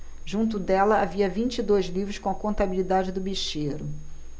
junto dela havia vinte e dois livros com a contabilidade do bicheiro